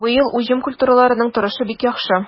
Быел уҗым культураларының торышы бик яхшы.